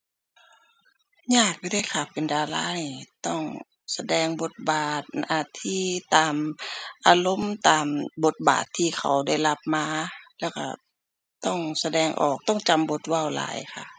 ยากอยู่เดะค่ะ เป็นดารานี่ ต้องแสดงบทบาท หน้าที่ ตามอารมณ์ ตามบทบาทที่เขาได้รับมา แล้วก็ต้องแสดงออก ต้องจำบทเว้าหลายค่ะ